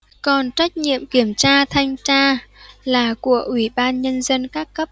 còn trách nhiệm kiểm tra thanh tra là của ủy ban nhân dân các cấp